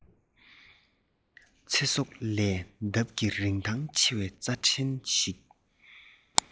ཚེ སྲོག ལས ལྡབ ཀྱིས རིན ཐང ཆེ བའི རྩྭ ཕྲན ཞིག